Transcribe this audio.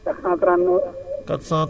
ak orange la